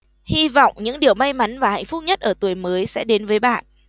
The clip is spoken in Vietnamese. hy vọng những điều may mắn và hạnh phúc nhất ở tuổi mới sẽ đến với bạn